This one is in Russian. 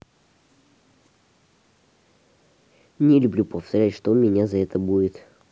не люблю повторять что мне за это будет